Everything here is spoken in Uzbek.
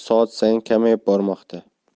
soat sayin kamayib bormoqda